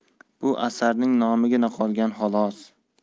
bu asarning nomigina qolgan xolos